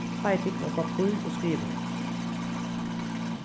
fáið tykkum eitt pappír og skrivið